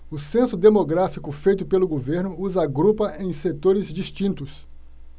o censo demográfico feito pelo governo os agrupa em setores distintos